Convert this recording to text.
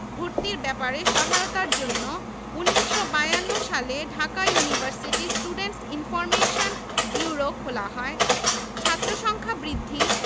ভর্তির ব্যাপারে সহায়তার জন্য ১৯৫২ সালে Dhaka university students information bureau খোলা হয় ছাত্রসংখ্যা বৃদ্ধি